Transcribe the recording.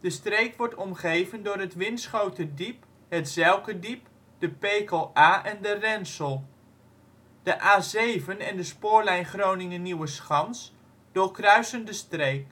De streek wordt omgeven door het Winschoterdiep, het Zijlkerdiep, de Pekel-Aa en de Rensel. De A7 en de spoorlijn Groningen - Nieuweschans doorkruisen de streek.